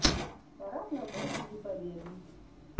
парад на площади победы